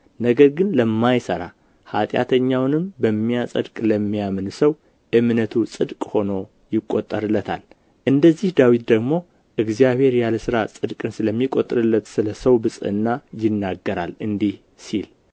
ነገር ግን ለማይሠራ ኃጢአተኛውንም በሚያደድቅ ለሚያምን ሰው እምነቱ ጽድቅ ሆኖ ይቆጠርለታል እንደዚህ ዳዊት ደግሞ እግዚአብሔር ያለ ሥራ ጽድቅን ስለሚቆጥርለት ስለ ሰው ብፅዕና ይናገራል እንዲህ ሲል